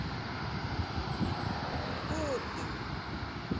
отдых